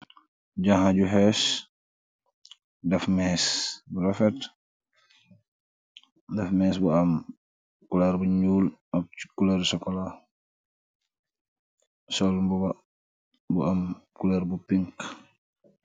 Janha ju khess deff meeche bu rafet, mu def meeche bu am couleur bu njull ak couleur chocolat, sol mbuba bu am couleur bu pink. .